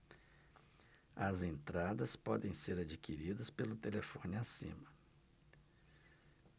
as entradas podem ser adquiridas pelo telefone acima